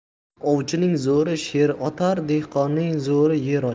ovchining zo'ri sher otar dehqonning zo'ri yer ochar